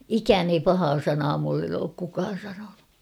ikään ei pahaa sanaa minulle ole kukaan sanonut